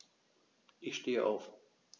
Ich stehe auf.